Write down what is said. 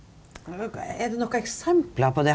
er det nokon eksempel på det?